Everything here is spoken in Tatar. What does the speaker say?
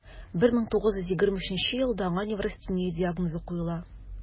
1923 елда аңа неврастения диагнозы куела: